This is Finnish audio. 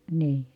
niin